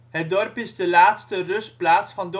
Het dorp is de laatste rustplaats van